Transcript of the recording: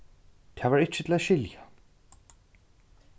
tað var ikki til at skilja